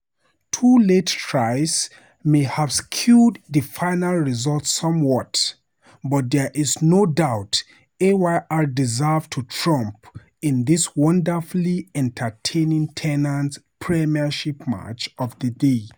Two late tries may have skewed the final result somewhat, but there is no doubt Ayr deserved to triumph in this wonderfully-entertaining Tennent's Premiership match of the day.